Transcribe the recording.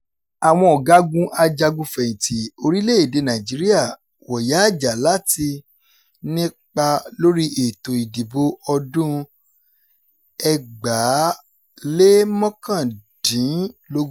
Àwọn ọ̀gágun ajagun fẹ̀yìntì orílẹ̀-èdè Nàìjíríà wọ̀yáàjà láti nípa lórí ètò ìdìbò ọdún-un 2019